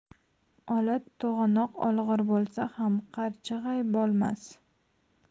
ola to'g'anoq olg'ir bo'lsa ham qarchig'ay bo'lmas